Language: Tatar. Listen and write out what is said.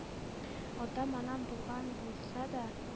Атам-анам булган булса да,